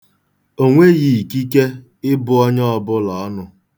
O nweghị ikike ịbụ onye ọbụla ọnụ.